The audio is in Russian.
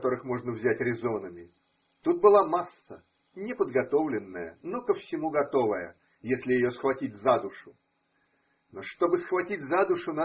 которых можно взять резонами, – тут была масса, не подготовленная, но ко всему готовая, если ее схватить за душу. Но чтобы схватить за душу.